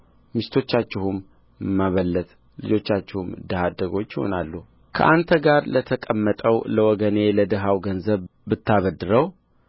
ሚስቶቻችሁም መበለት ልጆቻችሁም ድሀ አደጎች ይሆናሉ ከአንተ ጋር ለተቀመጠው ለወገኔ ለድሀው ገንዘብ ብታበድረው